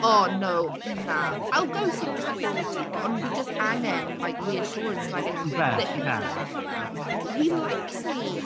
Oh no na. I'll go sixty forty b- ond fi jyst angen like reassurance like that he... wbath ie ...he likes me!